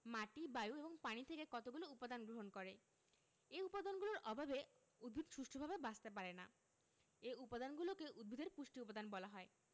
মাটি বায়ু এবং পানি থেকে কতগুলো উপদান গ্রহণ করে এ উপাদানগুলোর অভাবে উদ্ভিদ সুষ্ঠুভাবে বাঁচতে পারে না এ উপাদানগুলোকে উদ্ভিদের পুষ্টি উপাদান বলা হয়